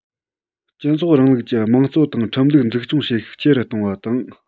སྤྱི ཚོགས རིང ལུགས ཀྱི དམངས གཙོ དང ཁྲིམས ལུགས འཛུགས སྐྱོང བྱེད ཤུགས ཆེ རུ གཏོང བ དང